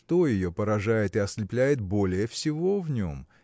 что ее поражает и ослепляет более всего в нем